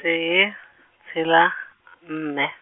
tee, tshela, nne.